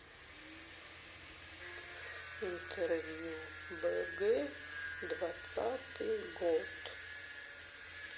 интервью бг двадцатый год